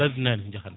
tardinani ko jahanno ɗa